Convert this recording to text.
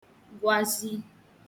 gwazi